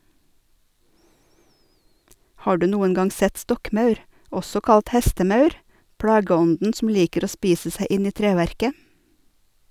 Har du noen gang sett stokkmaur, også kalt hestemaur, plageånden som liker å spise seg inn i treverket?